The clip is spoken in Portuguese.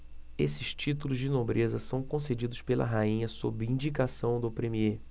esses títulos de nobreza são concedidos pela rainha sob indicação do premiê